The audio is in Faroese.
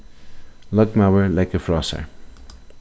løgmaður leggur frá sær